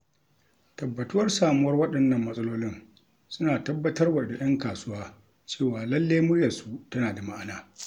Tabbatuwar samuwar waɗannan matsalolin suna tattabarwa da 'yan ƙasa cewa lallai muryarsu tana da ma'ana.